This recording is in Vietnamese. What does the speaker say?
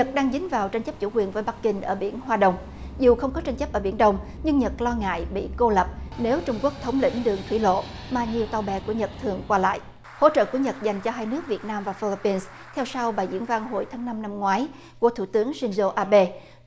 nhật đang dính vào tranh chấp chủ quyền với bắc kinh ở biển hoa đông dù không có tranh chấp ở biển đông nhưng nhật lo ngại bị cô lập nếu trung quốc thống lĩnh đường thủy lộ mà nhiều tàu bè của nhật thường qua lại hỗ trợ của nhật dành cho hai nước việt nam và phi lip pin theo sau bài diễn văn hồi tháng năm năm ngoái của thủ tướng sin dô a bê